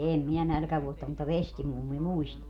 en minä nälkävuotta mutta vestimummi muisti